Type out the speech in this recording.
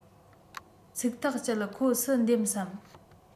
ཚིག ཐག བཅད ཁོ སུ འདེམས སམ